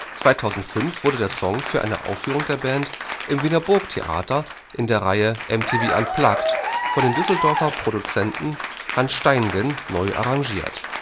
2005 wurde der Song für eine Aufführung der Band im Wiener Burgtheater, in der Reihe MTV Unplugged, von dem Düsseldorfer Produzenten Hans Steingen neu arrangiert